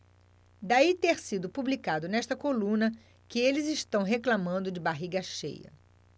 daí ter sido publicado nesta coluna que eles reclamando de barriga cheia